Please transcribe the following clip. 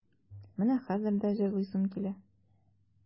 Менә хәзер дә җырлыйсым килә.